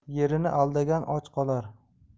yerini aldagan och qolar